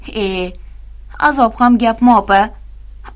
e azob ham gapmi opa